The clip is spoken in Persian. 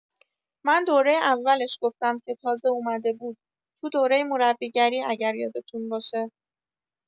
من دوره اولش گفتم که تازه اومده بود تو دوره مربیگری اگر یادتون باشه